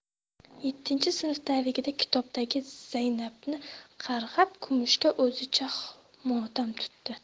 yettinchi sinfdaligida kitobdagi zaynabni qarg'ab kumushga o'zicha motam tutdi